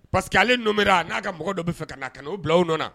Parce que ale don a n'a ka mɔgɔ dɔ bɛ fɛ ka na ka na u bila u nɔ na